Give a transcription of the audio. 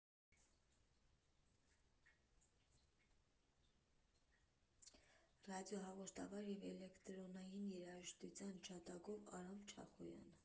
Ռադիոհաղորդավար և էլեկտրոնային երաժշտության ջատագով Արամ Չախոյանի Երևանը։